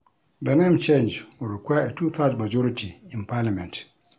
The name change would require a two-thirds majority in parliament